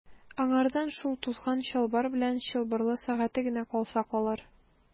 Аңардан шул тузган чалбар белән чылбырлы сәгате генә калса калыр.